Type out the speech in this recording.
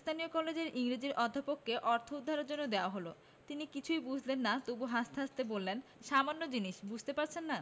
স্থানীয় কলেজের ইংরেজীর অধ্যাপককে অর্থ উদ্ধারের জন্য দেয়া হল তিনিও কিছুই বুঝলেন না তবু হাসতে হাসতে বললেন সামান্য জিনিস বুঝতে পারছেন না